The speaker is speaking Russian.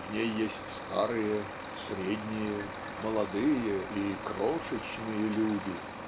В ней есть старые, средние, молодые и крошечные люди.